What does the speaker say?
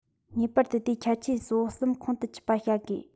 ངེས པར དུ དེའི ཁྱད ཆོས གཙོ བོ གསུམ ཁོང དུ ཆུད པ བྱ དགོས